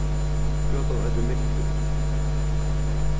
gøtan eitur mittún